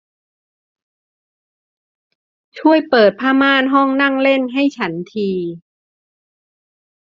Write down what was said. ช่วยเปิดผ้าม่านห้องนั่งเล่นให้ฉันที